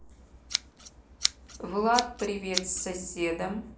влад с привет соседом